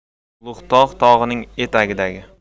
ulug'tog' tog'ining etagidagi